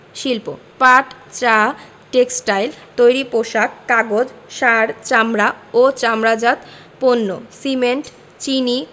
শিল্পঃ পাট চা টেক্সটাইল তৈরি পোশাক কাগজ সার চামড়া ও চামড়াজাত পণ্য সিমেন্ট চিনি